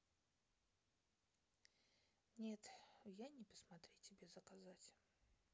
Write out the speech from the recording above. нет я не посмотри тебе заказать